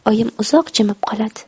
oyim uzoq jimib qoladi